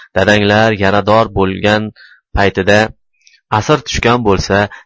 dadanglar yarador bo'lgan paytida asir tushgan bo'lsa